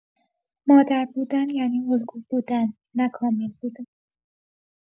مادر بودن یعنی الگو بودن، نه کامل بودن.